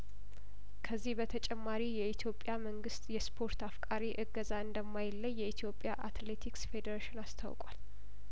ከዚህ በተጨማሪ የኢትዮጵያ መንግስት የስፖርት አፍቃሪ እገዛ እንደማይለይ የኢትዮጵያ አትሌቲክስ ፌዴሬሽን አስታውቋል